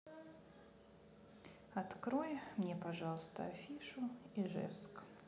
открой мне пожалуйста афишу ижевск